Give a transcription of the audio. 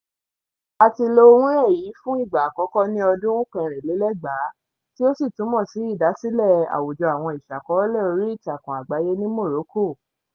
A ti lo wúnrẹ̀n yìí fún ìgbà àkọ́kọ́ ní ọdún 2004 tí ó sì túmọ̀ sí ìdásílẹ̀ àwùjọ àwọn aṣàkọọ́lẹ̀ oríìtakùn àgbáyé ní Morocco.